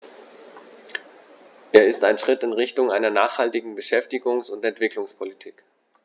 Er ist ein Schritt in Richtung einer nachhaltigen Beschäftigungs- und Entwicklungspolitik.